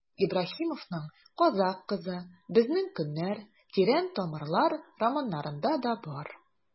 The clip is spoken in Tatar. Ибраһимовның «Казакъ кызы», «Безнең көннәр», «Тирән тамырлар» романнарында да бар.